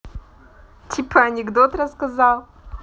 типа анекдот рассказал